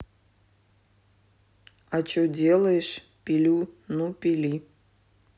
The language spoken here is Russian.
а че делаешь пилю ну пили